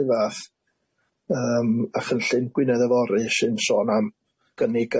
ry fath yym a chynllun Gwynedd Yory sy'n sôn am gynnig